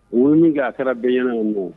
Ŋunu' kɛra bɛyw bon